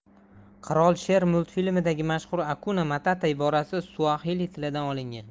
qirol sher multfilmidagi mashhur akuna matata iborasi suaxili tilidan olingan